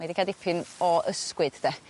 mae 'di ca'l dipyn o ysgwyd 'de.